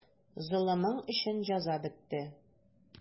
Золымың өчен җәза бетте.